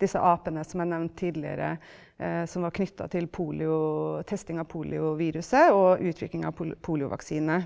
disse apene som jeg nevnte tidligere som var knytta til polio, testing av polioviruset og utvikling av poliovaksine.